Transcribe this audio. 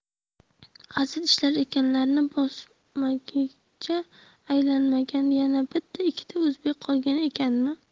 hali ishlar ekanlarmi bosmachiga aylanmagan yana bitta ikkita o'zbek qolgan ekanmi